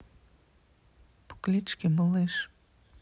по кличке малыш